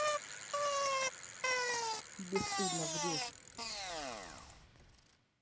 бесстыдно врешь